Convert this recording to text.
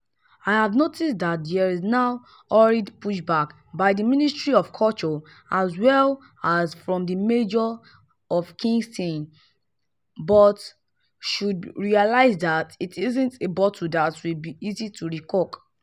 I have noticed that there is now hurried pushback by the Ministry of Culture as well as from the Mayor of Kingston. Both should realize that this isn’t a bottle that will be easy to re-cork.